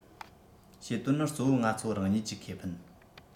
བྱེད དོན ནི གཙོ བོ ང ཚོ རང ཉིད ཀྱི ཁེ ཕན